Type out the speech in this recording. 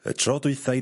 Y tro dwitha i...